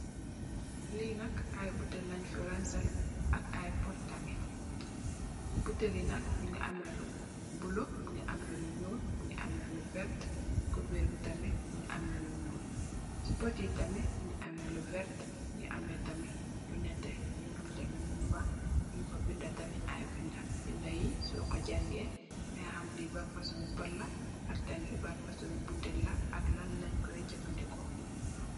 Li nak ay butel lenj fi ranseleh ak ay pot tamit buteli nak mungi ameh lu bulo mungi ameh lu nyool mungi ameh lu veert kuber bi tamit mungi ameh lu nyool ci poti tamit mungi ameh lu veert mungi ameh tamit lu nete nyung fa binda tamit ay binda binda yi soko jangeh danga ham li ban fosomi pot la ak tamit ban fosom butel la ak tamit Lan lenj koy jefendeko